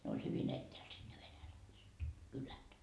ne oli hyvin etäällä sitten ne venäläiset kylät